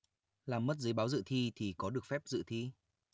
làm mất giấy báo dự thi thì có được phép dự thi